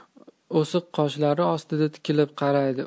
o'siq qoshlari ostidan tikilib qaradiyu